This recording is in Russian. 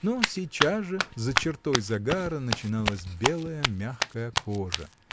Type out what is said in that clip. но сейчас же, за чертой загара, начиналась белая, мягкая кожа.